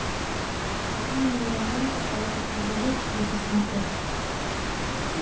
какие неромантика это предложить тебе посмотреть